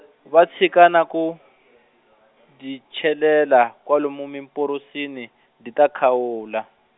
va tshika na ku, dyi chelela kwalomu mimporosini, dyi ta khawula.